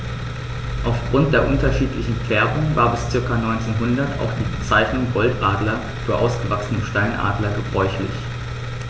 Auf Grund der unterschiedlichen Färbung war bis ca. 1900 auch die Bezeichnung Goldadler für ausgewachsene Steinadler gebräuchlich.